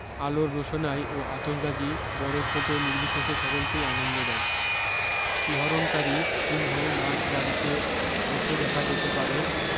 আলোর রোশনাই ও আতসবাজী বড় ছোট নির্বিশেষে সকলকেই আনন্দ দেয় শিহরনকারী সিংহ নাচ বাড়ীতে বসে দেখা যেতে পারে